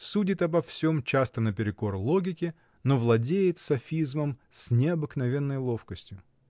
Судит обо всем часто наперекор логике, но владеет софизмом с необыкновенною ловкостью.